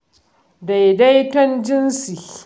Daidaiton jinsi